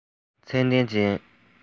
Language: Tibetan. ཚད ལྡན ཅན